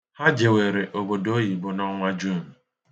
Ha jewere obodo oyibo n'ọnwa Juun.